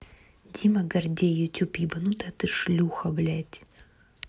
дима гордей youtube ебанутая ты шлюха блядь